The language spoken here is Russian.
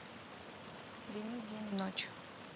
прими день ночь